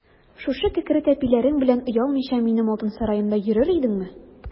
Шушы кәкре тәпиләрең белән оялмыйча минем алтын сараемда йөрер идеңме?